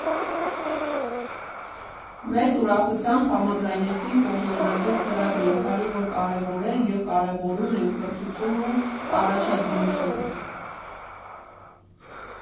Մեծ ուրախությամբ համաձայնեցինք օժանդակել ծրագրին, քանի որ կարևորել և կարևորում ենք կրթությունն ու առաջադիմությունը։